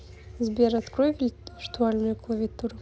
сбер открой виртуальную клавиатуру